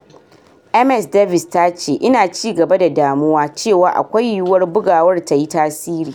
Ms Davis ta ce: "Ina ci gaba da damuwa cewa akwai yiwuwar bugawar ta yi tasiri."